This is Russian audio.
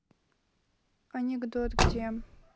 анекдот где